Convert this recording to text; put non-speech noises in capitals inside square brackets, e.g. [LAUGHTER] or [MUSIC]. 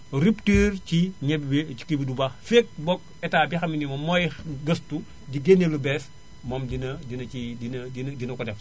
rupture [NOISE] ci ñebe bi kii bi du baax feeg book Etat bi nga xam ne ni moom mooy gëstu di génne lu bees moom dina dina ci [HESITATION] dina dina dina ko def